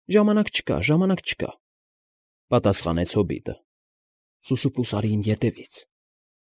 Ժամանակ չկա, ժամանակ չկա,֊ պատասխանեց հոբիտը։֊ Սուսուփուս արի իմ ետևից։